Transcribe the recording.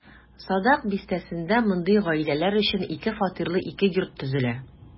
Садак бистәсендә мондый гаиләләр өчен ике фатирлы ике йорт төзелә.